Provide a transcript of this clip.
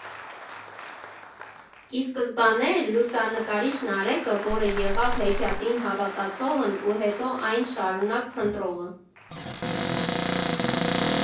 Ի սկզբանե էր լուսանկարիչ Նարեկը, որը եղավ հեքիաթին հավատացողն ու հետո այն շարունակ փնտրողը։